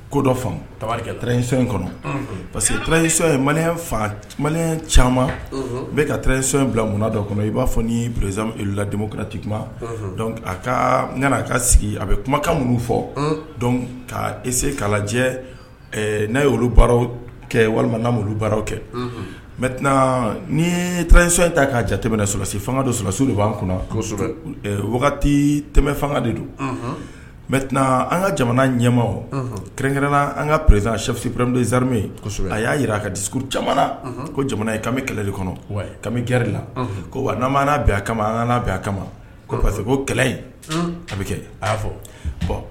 Ko dɔ fan tabarikɛ tso in kɔnɔ parce que tsɔn caman n bɛ ka tso in bila munnada kɔnɔ i b'a fɔ nizla denmuso kɛrati kuma a ka n ka sigi a bɛ kumakan minnu fɔ ka ese k'jɛ ne ye oluraww kɛ walima n' olu baararaww kɛ n mɛ ni treso in ta'a jate tɛmɛ sulasi fanga don sulasiw de b' an kɔnɔsɔ wagati tɛmɛ fanga de don an ka jamana ɲɛma p kerɛnkɛla an ka prezantiprɛ zarimesɔ a y'a jira a ka di caman ko jamana kami kɛlɛli kɔnɔ kami gri la ko wa n'an mana bɛ a kama ana bɛ a kama parce que ko kɛlɛ in ka bɛ kɛ a y'a fɔ bɔn